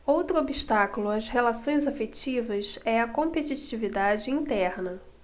outro obstáculo às relações afetivas é a competitividade interna